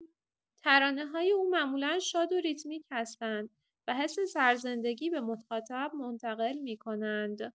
ترانه‌های او معمولا شاد و ریتمیک هستند و حس سرزندگی به مخاطب منتقل می‌کنند.